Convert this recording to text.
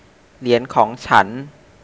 เหรียญของฉัน